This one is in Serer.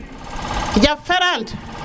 jaf farat